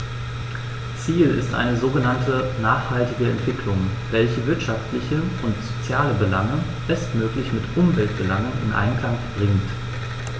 Ziel ist eine sogenannte nachhaltige Entwicklung, welche wirtschaftliche und soziale Belange bestmöglich mit Umweltbelangen in Einklang bringt.